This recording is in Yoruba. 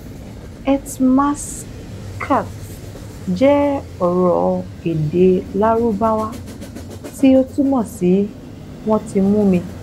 Etmasakt jẹ́ ọ̀rọ̀ èdè Lárúbáwá tí ó túmọ̀ sí "Wọ́n ti mú mi".